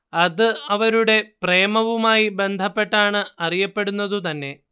അത് അവരുടെ പ്രേമവുമായി ബന്ധപ്പെട്ടാണ് അറിയപ്പെടുന്നതു തന്നെ